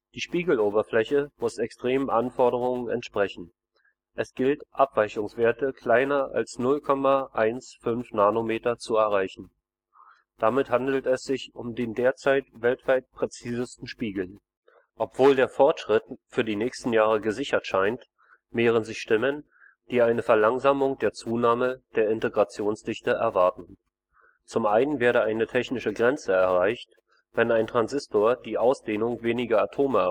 Die Spiegeloberfläche muss extremen Anforderungen entsprechen. Es gilt Abweichungswerte kleiner als 0,15 nm zu erreichen. Damit handelt es sich um den derzeit „ weltweit ‚ präzisesten ‘Spiegel “. Obwohl der Fortschritt für die nächsten Jahre gesichert scheint, mehren sich Stimmen, die eine Verlangsamung der Zunahme der Integrationsdichte erwarten. Zum einen werde eine technische Grenze erreicht, wenn ein Transistor die Ausdehnung weniger Atome